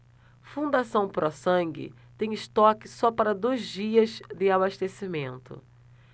fundação pró sangue tem estoque só para dois dias de abastecimento